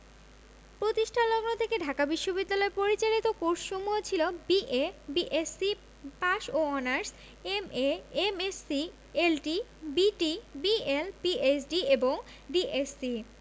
প্রতিষ্ঠালগ্ন থেকে ঢাকা বিশ্ববিদ্যালয় পরিচালিত কোর্সসমূহ ছিল বি.এ বি.এসসি পাস ও honours MA MSc LT BT BL PhD এবং ডিএস.সি